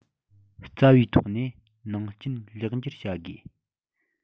རྩ བའི ཐོག ནས ནང རྐྱེན ལེགས འགྱུར བྱ དགོས